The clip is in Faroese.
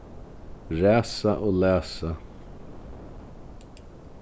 ræsa og læsa